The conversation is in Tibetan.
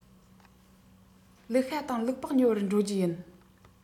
ལུག ཤ དང ལུག ལྤགས ཉོ བར འགྲོ རྒྱུ ཡིན